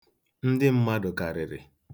Ndị mmadụ karịrị.